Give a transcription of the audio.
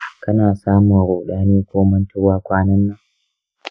kana samun ruɗani ko mantuwa kwanan nan?